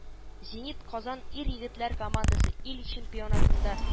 Зенит-Казан” ир-егетләр командасы ил чемпионатында